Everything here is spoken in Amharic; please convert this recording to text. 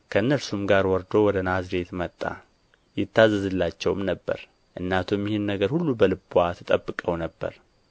ከእነርሱም ጋር ወርዶ ወደ ናዝሬት መጣ ይታዘዝላቸውም ነበር እናቱም ይህን ነገር ሁሉ በልብዋ ትጠብቀው ነበር